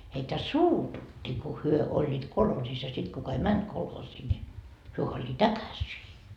heitä suututti kun he olivat kolhoosissa ja sitten kuka ei mennyt kolhoosiin niin he olivat äkäisiä